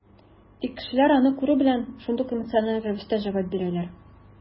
Тик кешеләр, аны күрү белән, шундук эмоциональ рәвештә җавап бирәләр.